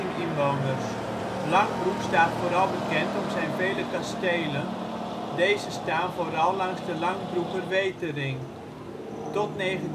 inwoners. Langbroek staat vooral bekend om zijn vele kastelen, deze staan vooral langs de Langbroekerwetering. Tot 1996